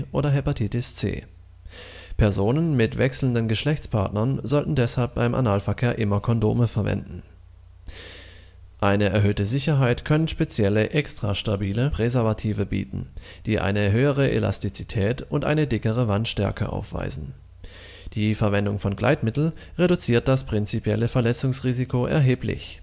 oder Hepatitis C. Personen mit wechselnden Geschlechtspartnern sollten deshalb beim Analverkehr immer Kondome verwenden, eine erhöhte Sicherheit können spezielle, extrastabile Präservative bieten, die eine höhere Elastizität und eine dickere Wandstärke aufweisen. Die Verwendung von Gleitmittel reduziert das prinzipielle Verletzungsrisiko erheblich